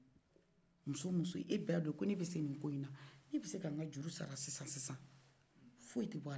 i jɛn'a kɔ do mi kama o don dogoodo n'ala y a den d'i ma o bɛ se cɛwla